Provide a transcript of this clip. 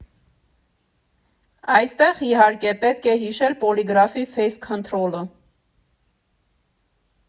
Այստեղ, իհարկե, պետք է հիշել Պոլիգրաֆի ֆեյս քընթրոլը։